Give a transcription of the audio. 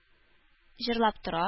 Җырлап тора